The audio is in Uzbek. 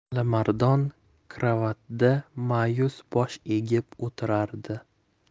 alimardon karavotda ma'yus bosh egib o'tirardi